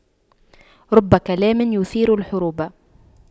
رب كلام يثير الحروب